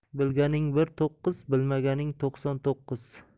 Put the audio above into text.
bilganing bir to'qqiz bilmaganing to'qson to'qqiz